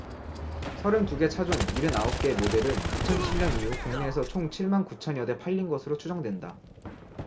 서른 두 개 차종 일흔 아홉 개 모델은 이천 칠 년 이후 국내에서 총 칠 만 구천 여대 팔린 것으로 추정된다